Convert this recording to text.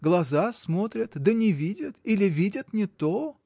Глаза смотрят, да не видят или видят не то.